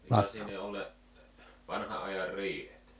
millaisia ne oli ne vanhan ajan riihet